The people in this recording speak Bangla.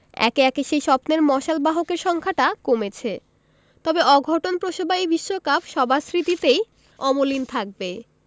একে একে সেই স্বপ্নের মশালবাহকের সংখ্যাটা কমেছে তবে অঘটনপ্রসবা এই বিশ্বকাপ সবার স্মৃতিতেই অমলিন থাকবে